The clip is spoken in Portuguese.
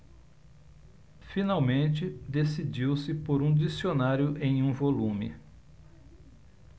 finalmente decidiu-se por um dicionário em um volume